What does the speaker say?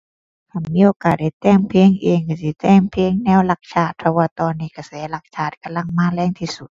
คันมีโอกาสได้แต่งเพลงเองก็สิแต่งเพลงแนวรักชาติ เพราะว่าตอนนี้กระแสรักชาติกำลังมาแรงที่สุด